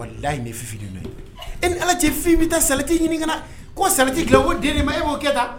E ni bɛ ɲini ko seliti dilan o den e b'o kɛ